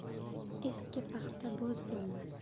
eski paxta bo'z bo'lmas